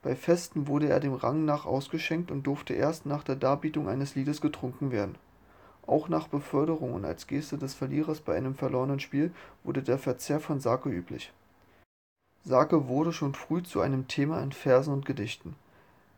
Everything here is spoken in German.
Bei Festen wurde er dem Rang nach ausgeschenkt und durfte erst nach der Darbietung eines Liedes getrunken werden. Auch nach Beförderungen und als Geste des Verlierers bei einem verlorenen Spiel wurde der Verzehr von Sake üblich. Sake wurde schon früh zu einem Thema in Versen und Gedichten,